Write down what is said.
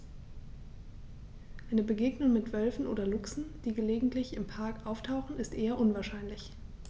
Eine Begegnung mit Wölfen oder Luchsen, die gelegentlich im Park auftauchen, ist eher unwahrscheinlich.